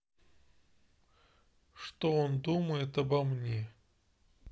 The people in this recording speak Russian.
что он думает обо мне